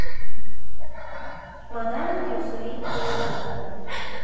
Մադամ Տյուսոյի թանգարան։